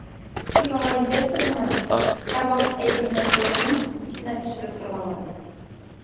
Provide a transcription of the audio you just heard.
Тик аңа инвестор гына һәрвакыт кайбер нәрсәләрне исенә төшереп торгалады.